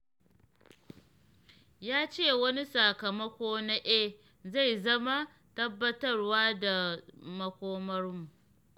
Ya ce wani sakamako na “eh” zai zama tabbatarwa da makomarmu.”